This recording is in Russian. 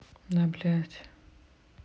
да блядь